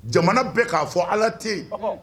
Jamana bɛ k'a fɔ ala tɛ yen